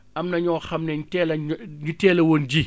am na ñoo xam ne teel a ño ñi teel a woon ji